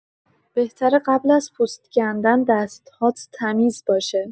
بهتره قبل از پوست کندن، دست‌هات تمیز باشه.